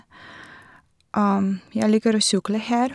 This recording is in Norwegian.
Jeg liker å sykle her.